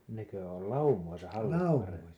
nekö oli laumoissa hallit